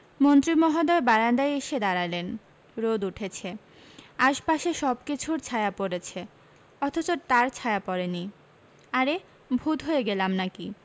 মন্ত্রী মহোদয় বারান্দায় এসে দাঁড়ালেন রোদ উঠেছে আশপাশের সবকিছুর ছায়া পড়েছে অথচ তাঁর ছায়া পড়েনি আরে ভূত হয়ে গেলাম নাকি